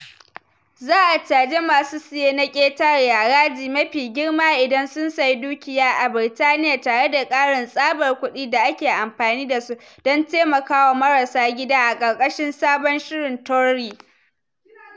Za a caji masu siya na ƙetare haraji mafi girma idan sun sayi dukiya a Birtaniya tare da ƙarin tsabar kuɗi da ake amfani da su don taimaka wa marasa gida a ƙarkashin sabon shirin Tory